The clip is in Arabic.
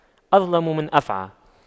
أظلم من أفعى